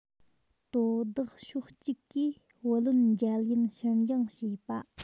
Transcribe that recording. དོ བདག ཕྱོགས གཅིག གིས བུ ལོན འཇལ ཡུན ཕྱིར འགྱངས བྱས པ